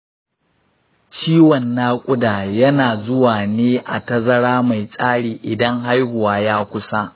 ciwon naƙuda yana zuwa ne a tazara mai tsari idan haihuwa ya kusa.